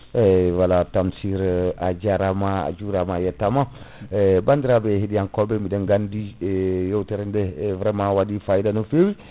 eyyi voilà Tamsir a jarama a juurama a yettama e bandiraɓe heɗiyankoɓe biɗen gandi yewtere nde vraiment waɗi fayida no fewi